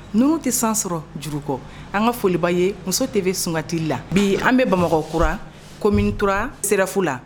Ŋunnu te san sɔrɔ juru kɔ an ŋa foli b'a' ye muso TV sunkatili la bii an be Bamakɔkura Commune III SEREF la